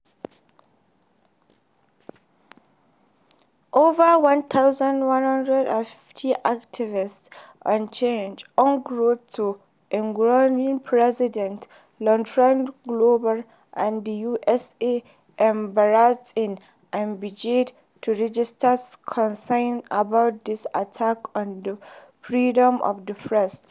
Over 1,150 activists on Change.org wrote to Ivorian President Laurent Gbagbo and the U.S. Embassy in Abidjan to register concern about this attack on the freedom of the press.